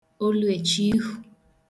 olu èchihù